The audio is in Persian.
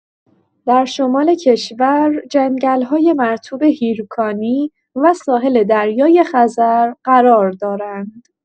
در شمال کشور، جنگل‌های مرطوب هیرکانی و ساحل دریای‌خزر قرار دارند؛